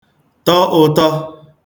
tọ ụ̄tọ̄